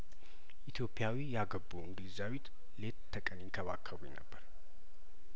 ኢትዮፕያዊ ያገቡ እንግሊዛዊት ሌት ተቀን ይንከባከቡኝ ነበር